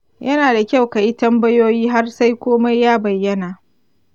yana da kyau ka yi tambayoyi har sai komai ya bayyana